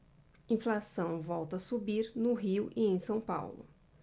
inflação volta a subir no rio e em são paulo